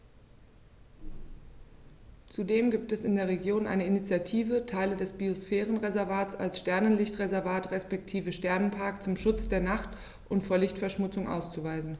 Zudem gibt es in der Region eine Initiative, Teile des Biosphärenreservats als Sternenlicht-Reservat respektive Sternenpark zum Schutz der Nacht und vor Lichtverschmutzung auszuweisen.